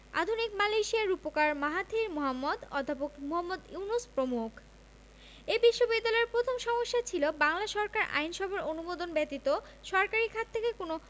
আধুনিক মালয়েশিয়ার রূপকার মাহাথির মোহাম্মদ অধ্যাপক মুহম্মদ ইউনুস প্রমুখ এ বিশ্ববিদ্যালয়ের প্রথম সমস্যা ছিল বাংলা সরকার আইনসভার অনুমোদন ব্যতীত সরকারি খাত থেকে কোন